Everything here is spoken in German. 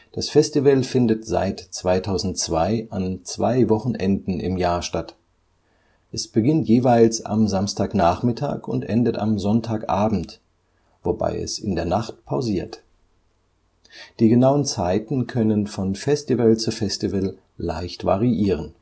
Das Festival findet seit 2002 an zwei Wochenenden im Jahr statt. Es beginnt jeweils am Samstagnachmittag und endet am Sonntagabend, wobei es in der Nacht pausiert. Die genauen Zeiten können von Festival zu Festival leicht variieren